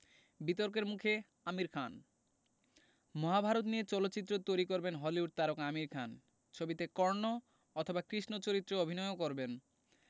বিতর্কের মুখে আমির খান মহাভারত নিয়ে চলচ্চিত্র তৈরি করবেন হলিউড তারকা আমির খান ছবিতে কর্ণ অথবা কৃষ্ণ চরিত্রে অভিনয়ও করবেন